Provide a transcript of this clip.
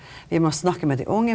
vi må snakke med de unge.